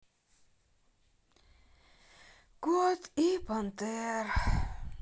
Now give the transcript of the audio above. кот и пантер